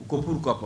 Kop ka kuwa